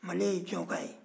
male ye jɔnka ye